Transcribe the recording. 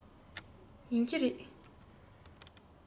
ཡིན གྱི རེད